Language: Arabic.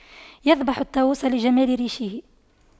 يذبح الطاووس لجمال ريشه